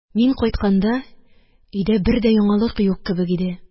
Мин кайтканда өйдә бер дә яңалык юк кебек иде